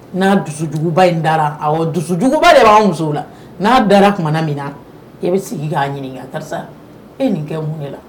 N'a dusujuguba in da dusujuguba de b'a musow la n'a da tumaumana min na i bɛ sigi k'a ɲini karisa e nin kɛ mun la